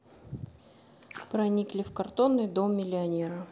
проникли в картонный дом миллионера